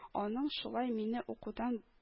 Аның шулай мине укудан